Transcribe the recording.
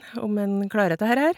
Om den klarer dette herre her.